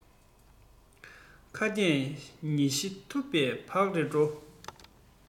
ཁྭ ཏས ཉི ཤིག འཐུ བ བག རེ དྲོ